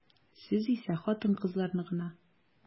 Сез исә хатын-кызларны гына.